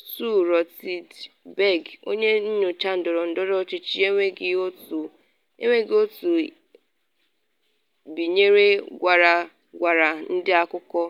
Stu Rothenberg, onye nyocha ndọrọndọrọ ọchịchị enweghị otu o binyere gwara ndị akụkọ.